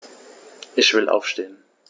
Ich will aufstehen.